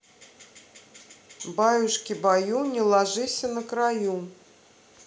баюшки баю не ложися на краю